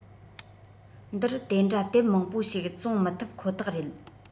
འདིར དེ འདྲ དེབ མང པོ ཞིག བཙོང མི ཐུབ ཁོ ཐག རེད